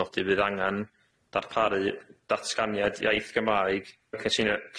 nodi fydd angan darparu datganiad iaith Gymraeg cynllunio